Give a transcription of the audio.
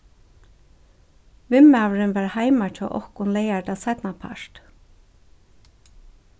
vinmaðurin var heima hjá okkum leygardag seinnapart